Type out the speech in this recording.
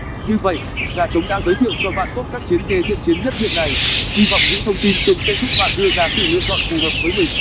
như vậy gà trống đã giới thiệu cho bạn top các chiến kê thiện chiến nhất hiện nay hy vọng những thông tin trên sẽ giúp bạn đưa ra sự lựa chọn phù hợp với mình